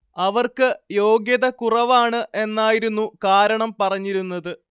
അവർക്ക് യോഗ്യത കുറവാണ് എന്നായിരുന്നു കാരണം പറഞ്ഞിരുന്നത്